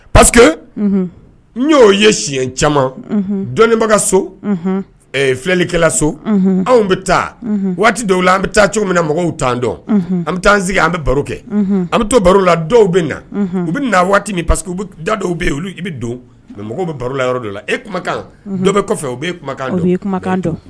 Pake n yo ye siɲɛ caman dɔnniiba ka so filɛlikɛla so anw bɛ taa waati dɔw la an bɛ taa cogo min na mɔgɔw tan dɔn an bɛ taa sigi an bɛ baro kɛ an bɛ to baro la dɔw bɛ na u bɛ na waati min pa que da dɔw bɛ yen i bɛ don mɛ mɔgɔw bɛ baro la yɔrɔ dɔ la e kumakan dɔw bɛ kɔfɛ u bɛ e kumakan kumakan dɔn